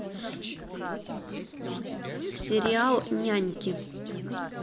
сериал няньки